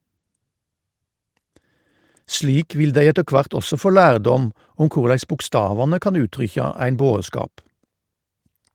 Slik vil dei etter kvart også få lærdom om korleis bokstavane kan uttrykkja ein bodskap.